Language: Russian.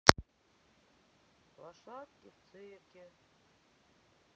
лошадки в цирке